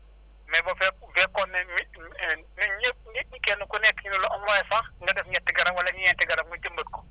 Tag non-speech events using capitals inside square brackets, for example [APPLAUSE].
mais bu fekk fekkoon ne nit ñi [HESITATION] nit ñëpp nit ñi kenn ku nekk ci ñun lu am waay sax nga def ñett garab wala ñeenti garab nga jëmbat ko